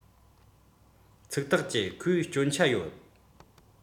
ཚིག ཐག བཅད ཁོས སྐྱོན ཆ ཡོད